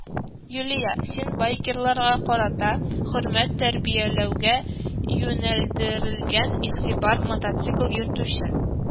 – юлия, син байкерларга карата хөрмәт тәрбияләүгә юнәлдерелгән «игътибар, мотоцикл йөртүче